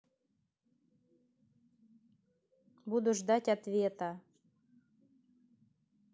буду ждать ответа